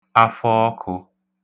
afọọkụ̄